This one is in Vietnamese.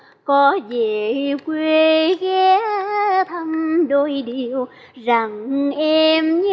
có giề quê ghé thăm đôi điều rằng em nhớ